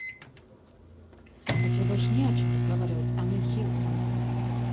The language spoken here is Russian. а тебе больше не о чем разговаривать они хиллсом